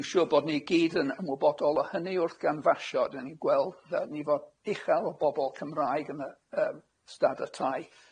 Dwi'n siŵr bod ni gyd yn ymwybodol o hynny wrth ganfasio, 'dan ni'n gweld yy nifer uchel o bobol Cymraeg yn yr yym stada' tai,